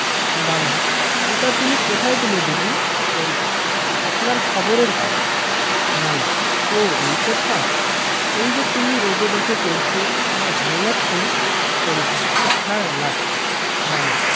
নানা এটা তুমি কোথায় পেলে বুবু শরিফা আপনার খবরের কাগজে নানা ও এই কথা এই যে তুমি রোদে বসে পড়ছ তোমার ভালো লাগছে শরিফা হ্যাঁ লাগছে নানা